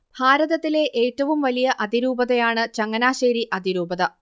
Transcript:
ഭാരതത്തിലെ ഏറ്റവും വലിയ അതിരൂപതയാണ് ചങ്ങനാശ്ശേരി അതിരൂപത